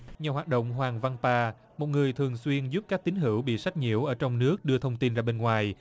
nhà hoạt động hoàng văn ba một người thường xuyên giúp các tín hữu bị sách nhiễu ở trong nước đưa thông tin ra bên ngoài